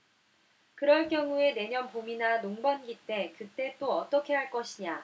그럴 경우에 내년 봄이나 농번기 때 그때 또 어떻게 할 것이냐